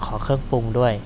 ขอเครื่องปรุงด้วย